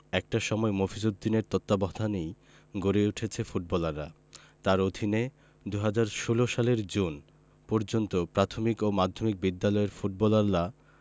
একটা সময় মফিজ উদ্দিনের তত্ত্বাবধানেই গড়ে উঠেছে ফুটবলাররা তাঁর অধীনে ২০১৬ সালের জুন পর্যন্ত প্রাথমিক ও মাধ্যমিক বিদ্যালয়ের ফুটবলালরা